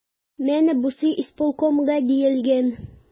Менә бусы исполкомга диелгән.